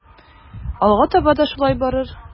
Алга таба да шулай барыр.